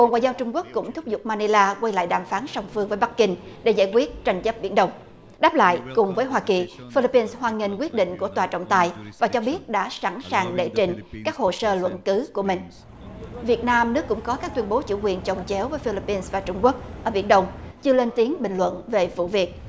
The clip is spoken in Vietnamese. bộ ngoại giao trung quốc cũng thúc giục ma ni la quay lại đàm phán song phương với bắc kinh để giải quyết tranh chấp biển đông đáp lại cùng với hoa kỳ phi líp pin hoan nghênh quyết định của tòa trọng tài và cho biết đã sẵn sàng đệ trình các hồ sơ luận cứ của mình việt nam nước cũng có các tuyên bố chủ quyền chồng chéo với phi líp pin và trung quốc ở biển đông chưa lên tiếng bình luận về vụ việc